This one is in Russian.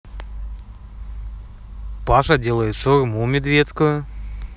паша делает шаурму медведскую